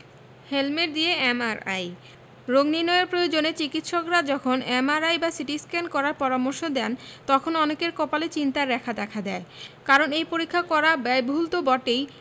helmet দিয়ে MRI রোগ নির্নয়ের প্রয়োজনে চিকিত্সকরা যখন এমআরআই বা সিটিস্ক্যান করার পরামর্শ দেন তখন অনেকের কপালে চিন্তার রেখা দেখা দেয় কারণ এই পরীক্ষা করা ব্যয়বহুল তো বটেই